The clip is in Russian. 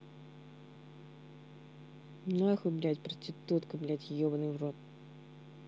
нахуй блядь проститутка блядь ебаный в рот